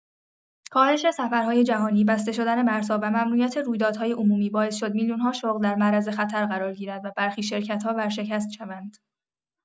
کاهش سفرهای جهانی، بسته شدن مرزها و ممنوعیت رویدادهای عمومی باعث شد میلیون‌ها شغل در معرض خطر قرار گیرد و برخی شرکت‌ها ورشکست شوند.